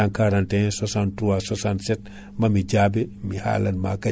c'est à dire aɗa andi hunde foof kaadi Allah andittako